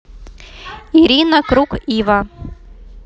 ирина круг ива